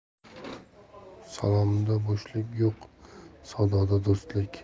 salomda bo'shlik yo'q savdoda do'stlik